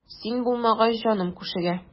Син булмагач җаным күшегә.